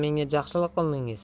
bo'lsa siz menga jaxshiliq qildingiz